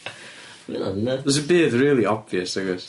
Ma' wnna'n nyts. Do's dim byd rili obvious nag o's?